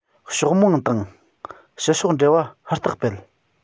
ཕྱོགས མང དང ཕྱི ཕྱོགས འབྲེལ བ ཧུར ཐག སྤེལ